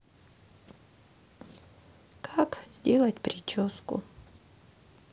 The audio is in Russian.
как сделать прическу